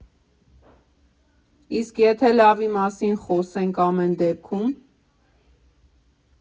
Իսկ եթե լավի մասին խոսե՞նք ամեն դեպքում։